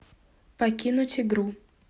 покинуть игру